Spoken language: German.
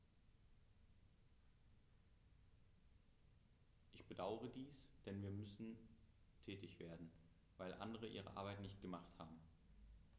Ich bedauere dies, denn wir müssen tätig werden, weil andere ihre Arbeit nicht gemacht haben.